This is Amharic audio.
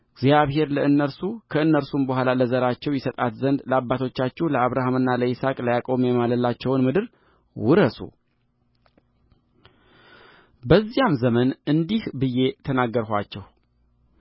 እግዚአብሔር ለእነርሱ ከእነርሱም በኋላ ለዘራቸው ይሰጣት ዘንድ ለአባቶቻችሁ ለአብርሃምና ለይስሐቅ ለያዕቆብም የማለላቸውንም ምድር ውረሱበዚያም ዘመን እንዲህ ብዬ ተናገርኋችሁ